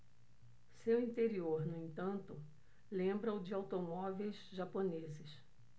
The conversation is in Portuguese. seu interior no entanto lembra o de automóveis japoneses